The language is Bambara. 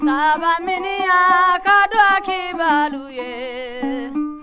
sabaminiyan ka duwaw kɛ i balu ye